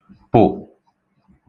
pụ̀